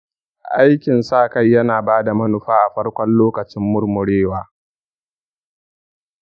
aikin sa-kai yana ba da manufa a farkon lokacin murmurewa.